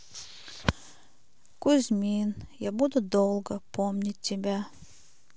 кузьмин я буду долго помнить тебя